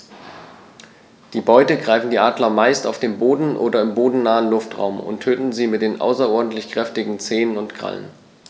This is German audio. Die Beute greifen die Adler meist auf dem Boden oder im bodennahen Luftraum und töten sie mit den außerordentlich kräftigen Zehen und Krallen.